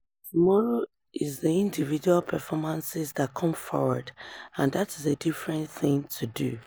Tomorrow is the individual performances that come forward, and that is a different thing to do.